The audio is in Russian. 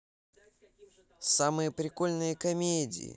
самые прикольные комедии